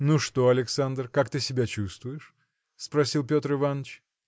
– Ну, что, Александр, как ты себя чувствуешь? – спросил Петр Иваныч.